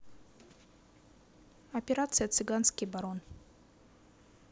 операция цыганский барон